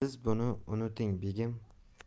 siz buni unuting begim